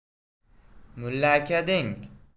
mullaka deng